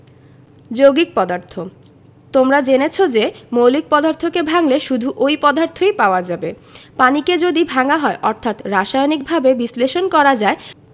যৌগিক পদার্থ তোমরা জেনেছ যে মৌলিক পদার্থকে ভাঙলে শুধু ঐ পদার্থই পাওয়া যাবে পানিকে যদি ভাঙা হয় অর্থাৎ রাসায়নিকভাবে বিশ্লেষণ করা যায়